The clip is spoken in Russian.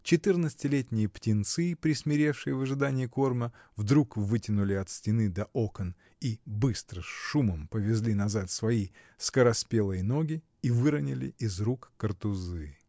четырнадцатилетние птенцы, присмиревшие в ожидании корма, вдруг вытянули от стены до окон и быстро с шумом повезли назад свои скороспелые ноги и выронили из рук картузы.